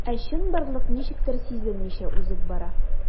Ә чынбарлык ничектер сизелмичә узып бара.